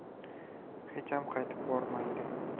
hecham qaytib bormaydi